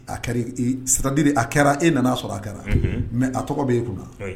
A kɛradi a kɛra e nana a sɔrɔ a kɛra mɛ a tɔgɔ bɛ e kun